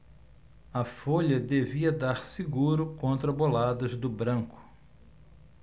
a folha devia dar seguro contra boladas do branco